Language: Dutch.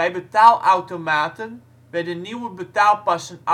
betaalautomaten werden nieuwe betaalpassen